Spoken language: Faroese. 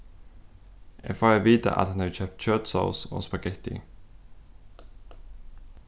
eg fái at vita at hann hevur keypt kjøtsós og spagetti